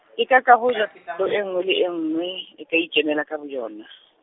ekaka hoja -lo e nngwe le e nngwe, e ka ikemela ka boyona.